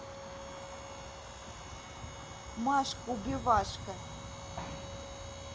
машка убивашка